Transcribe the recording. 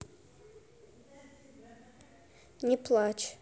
не плачь